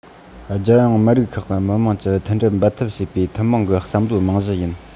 རྒྱལ ཡོངས མི རིགས ཁག གི མི དམངས ཀྱིས མཐུན སྒྲིལ འབད འཐབ བྱེད པའི ཐུན མོང གི བསམ བློའི རྨང གཞི ཡིན